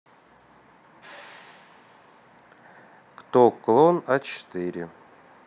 кто клон а четыре